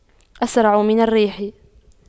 أسرع من الريح